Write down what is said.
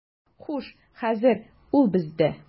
Хуш, хәзер ул бездә.